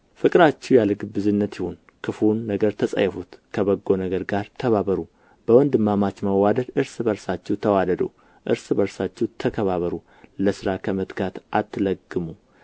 ፍቅራችሁ ያለ ግብዝነት ይሁን ክፉውን ነገር ተጸየፉት ከበጎ ነገር ጋር ተባበሩ በወንድማማች መዋደድ እርስ በርሳችሁ ተዋደዱ እርስ በርሳችሁ ተከባበሩ ለሥራ ከመትጋት አትለግሙ